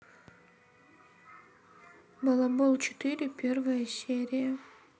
балабол четыре первая серия